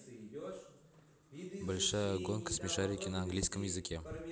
большая гонка смешарики на английском языке